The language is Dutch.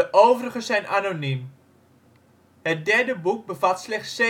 overige zijn anoniem. Het derde boek bevat slechts